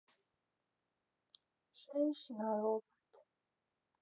женщина робот